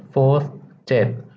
โฟธเจ็ด